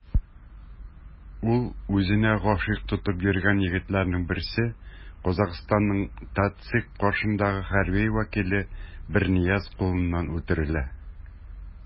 Ул үзенә гашыйк тотып йөргән егетләрнең берсе - Казахстанның ТатЦИК каршындагы хәрби вәкиле Бернияз кулыннан үтерелә.